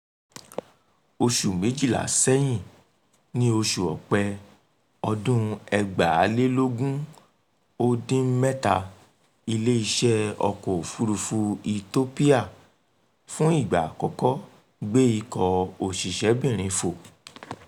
Oṣù méjìlá sẹ́yìn, ní oṣù Ọ̀pẹ ọdún 2017, Ilé-iṣẹ́ Ọkọ̀ òfuurufú Ethiopia fún ìgbà àkókọ́ gbé ikọ̀ òṣìṣẹ́bìnrin fò.